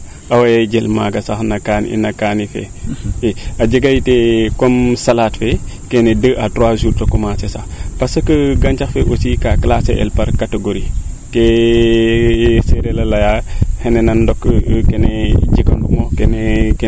awey jel maaga sax n kaani fee i a jega it comme salade fee kene deux jours a trois jours te commencer sax parce que gantax le aussi kaa classer el par categorie kee sereer a leyaa xena na ndok kene jika nuuma kene